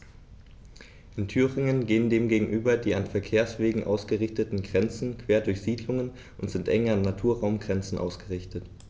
In Thüringen gehen dem gegenüber die an Verkehrswegen ausgerichteten Grenzen quer durch Siedlungen und sind eng an Naturraumgrenzen ausgerichtet.